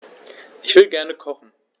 Ich will gerne kochen.